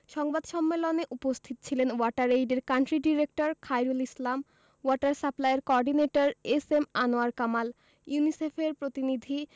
সংবাদ সম্মেলনে উপস্থিত ছিলেন ওয়াটার এইডের country director Khairul Islam water সাপ্লাইর coordinator S M Anwar Kamal ইউনিসেফের প্রতিনিধি